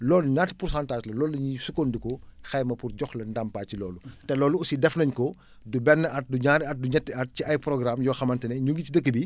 loolu ñaata pourcentage la loolu la ñuy sukkandiku xayma pour jox la ndàmpaay ci loolu te loolu aussi def nañ ko du benn at du ñaari at du ñetti at ci ay programme yoo xamante ne ñu ngi ci dëkk bi